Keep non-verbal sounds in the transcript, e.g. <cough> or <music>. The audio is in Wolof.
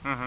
<hesitation> <hesitation>